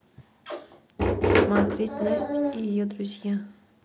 смотреть настя и ее друзья